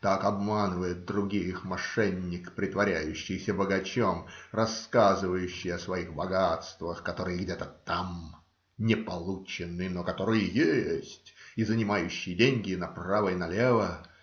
Так обманывает других мошенник, притворяющийся богачом, рассказывающий о своих богатствах, которые где-то "там", "не получены", но которые есть, и занимающий деньги направо и налево.